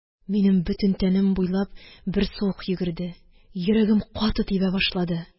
Минем бөтен тәнем буйлап бер суык йөгерде, йөрәгем каты тибә башлады.